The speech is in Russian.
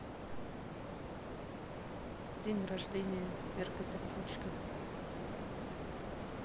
день рождения верка сердючка